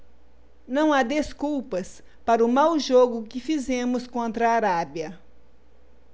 não há desculpas para o mau jogo que fizemos contra a arábia